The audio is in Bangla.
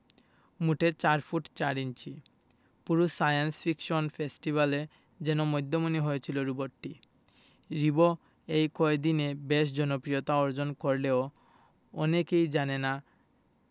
মোটে ৪ ফুট ৪ ইঞ্চি পুরো সায়েন্স ফিকশন ফেস্টিভ্যালে যেন মধ্যমণি হয়েছিল রোবটটি রিবো এই কয়দিনে বেশ জনপ্রিয়তা অর্জন করলেও অনেকেই জানে না